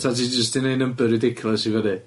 Ta ti jyst 'di neud number ridiculous i fyny?